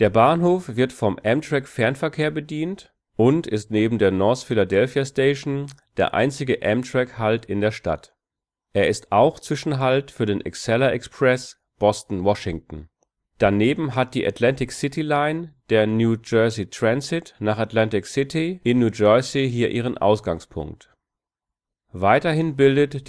Bahnhof wird vom Amtrak-Fernverkehr bedient und ist neben der North Philadelphia Station der einzige Amtrak-Halt in der Stadt. Er ist auch Zwischenhalt für den Acela Express Boston – Washington. Daneben hat die Atlantic City Line der New Jersey Transit nach Atlantic City in New Jersey hier ihren Ausgangspunkt. Weiterhin bildet